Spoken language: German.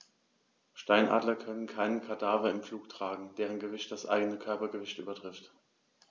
Steinadler können keine Kadaver im Flug tragen, deren Gewicht das eigene Körpergewicht übertrifft.